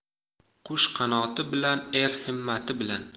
qush qanoti bilan er himmati bilan